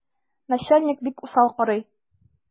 Начальник бик усал карый.